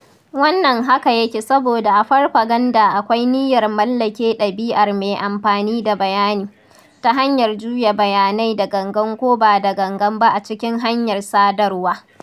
Wannan haka yake saboda a farfaganda akwai "niyyar mallake ɗabi'ar mai amfani da bayani" ta hanyar "juya bayanai da gangan ko ba da gangan ba a cikin hanyar sadarwa".